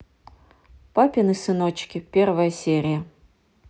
папины сыночки первая серия